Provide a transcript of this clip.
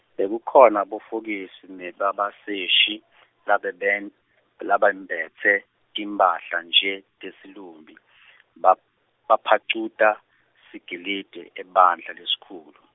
bekukhona bofokisi nebabaseshi , labeben- labembetse timphahla nje, tesilumbi , ba- baphacuta, sikilidi ebandla lesikhulu.